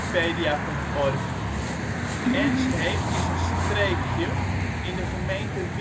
22′ NB, 6° 29′ OL Ernstheem is een streekje in de gemeente